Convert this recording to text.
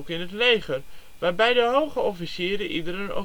in het leger, waarbij de hoge officieren ieder